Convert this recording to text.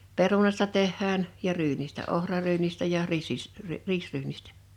perunasta tehdään ja ryynistä ohraryynistä ja - riisiryynistä